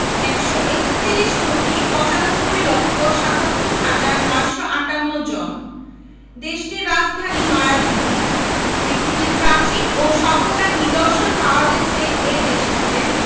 ১৩১ কোটি ৯৫ লক্ষ ৭৭ হাজার ৯৫৮ জনদেশটির রাজধানী নয়াদিল্লী পৃথিবীর প্রাচীন ও সভ্যতার নিদর্শন পাওয়া গেছে এ দেশটিতে